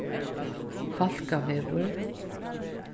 falkavegur